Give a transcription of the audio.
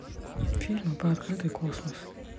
фильмы про открытый космос